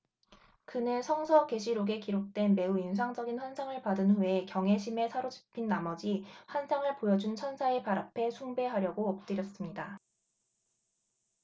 그는 성서 계시록에 기록된 매우 인상적인 환상을 받은 후에 경외심에 사로잡힌 나머지 환상을 보여 준 천사의 발 앞에 숭배하려고 엎드렸습니다